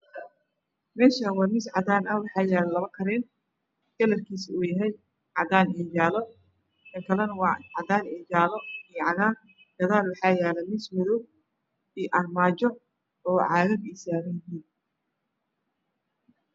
Meeshaan waa miis cadaan ah waxaa yaalo labo kareem kalarkiisu uu yahay cadaan iyo jaale kan kalana waa cadaan iyo jaalo, cagaar. gadaalna waxaa yaalo miis madow iyo armaajo oo caagag ay saaran yihiin.